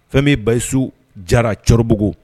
Fɛn bɛ basiyisiw jara cɛkɔrɔbabugu